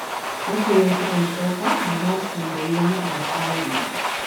Masoyan kiɗan soca ba za su tambayi wani abu ƙari ba.